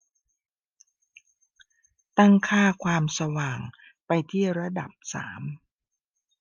ตั้งค่าความสว่างไปที่ระดับสาม